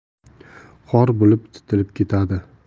xor bo'lib titilib ketadi